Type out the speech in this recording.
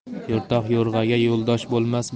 yo'rtoq yo'rg'aga yo'ldosh bo'lmas